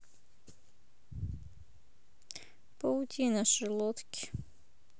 паутина шарлотки